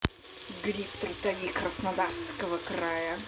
гриб трутовик краснодарского края